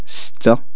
ستة